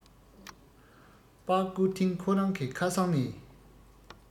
པར བསྐུར ཐེངས ཁོ རང གི ཁ སང ནས